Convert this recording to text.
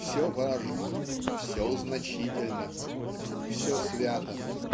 все важно, все значительно, все свято.